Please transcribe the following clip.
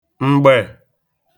m̀gbè